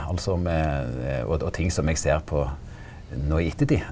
alt som og og ting som eg ser på no i ettertid.